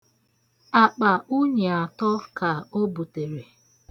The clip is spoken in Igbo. Akpa unyi atọ ka o butere.